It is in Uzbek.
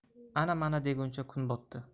ana mana deguncha kun botdi